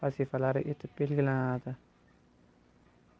vazifalari etib belgilanadi